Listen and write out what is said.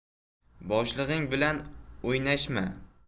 boshlig'ing bilan o'ynashma